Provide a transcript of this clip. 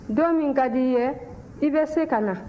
don min ka di i ye i bɛ se ka na